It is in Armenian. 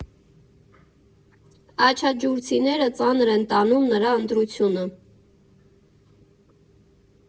Աչաջուրցիները ծանր են տանում նրա ընտրությունը։